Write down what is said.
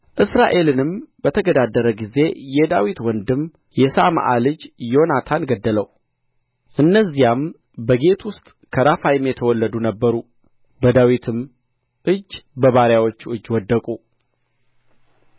እስራኤልንም በተገዳደረ ጊዜ የዳዊት ወንድም የሳምዓ ልጅ ዮናታን ገደለው እነዚያም በጌት ውስጥ ከራፋይም የተወለዱ ነበሩ በዳዊትም እጅ በባሪያዎቹም እጅ ወደቁ